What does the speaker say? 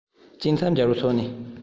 སྐྱིན ཚབ འཇལ བའི ཕྱོགས ནས